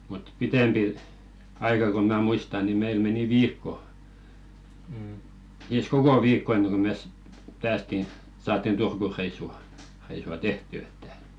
mutta pitempi aika kun minä muistan niin meillä meni viikko siis koko viikko ennen kuin me päästiin saatiin Turku-reissu reissua tehtyä että